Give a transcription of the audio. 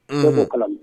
Kɔnɔ